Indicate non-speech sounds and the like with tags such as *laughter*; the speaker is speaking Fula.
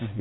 *hesitation* *hesitation*